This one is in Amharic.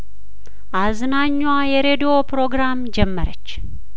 አዝናኟ የሬዲዮ ፕሮግራም ጀመረች